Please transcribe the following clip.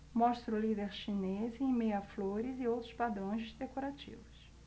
mostra o líder chinês em meio a flores e outros padrões decorativos